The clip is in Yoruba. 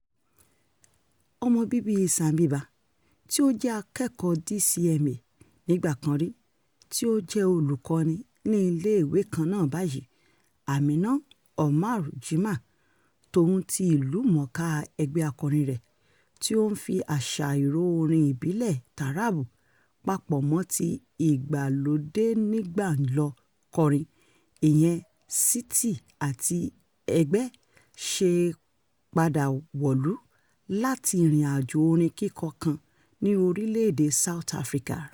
Ọmọ bíbíi Zanzibar, tí ó jẹ́ akẹ́kọ̀ọ́ọ DCMA nígbà kan rí, tí ó jẹ́ olùkọ́ni ní iléèwé kan náà báyìí, Amina Omar Juma tòun ti ìlú mọ̀ọ́ká ẹgbẹ́ akọrin rẹ̀, tí ó ń "fi àṣà ìró orin ìbílẹ̀ " taarab papọ̀ mọ́ ti ìgbàlódélonígbàńlò kọrin, ìyẹn "Siti àti Ẹgbẹ́ ", ṣẹ̀ṣẹ̀ padà wọ̀lú láti ìrìnàjò orin kíkọ kan ní orílẹ̀-èdèe South Africa.